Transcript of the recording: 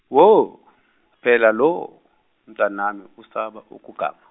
wo, phela lowo, mntanami, usaba ukuganga.